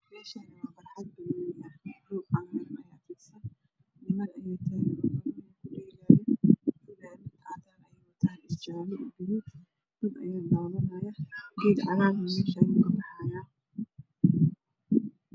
Meshani wa barxad banooni aha roog ayaa fidsan niman ayaa tagan oo banooni ku dheelayo Das ayaa dabanaayo geed ayaa meshan kaoaxaayo